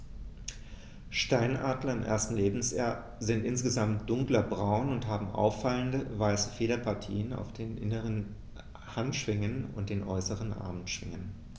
Steinadler im ersten Lebensjahr sind insgesamt dunkler braun und haben auffallende, weiße Federpartien auf den inneren Handschwingen und den äußeren Armschwingen.